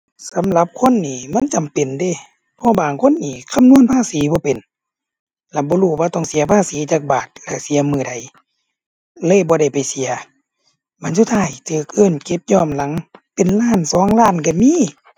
สำหรับคนนี่ มันจำเป็นเด้ เพราะว่าบางคนนี่คำนวณภาษีบ่เป็น แล้วบ่รู้ว่าต้องเสียภาษีจักบาทกับเสียมื้อใด เลยบ่ได้ไปเสีย บัดสุดท้ายถูกเอิ้นเก็บย้อนหลัง เป็นล้านสองล้านถูกมี